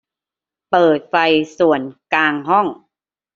เปิดไฟส่วนกลางห้อง